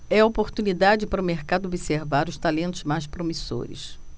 é a oportunidade para o mercado observar os talentos mais promissores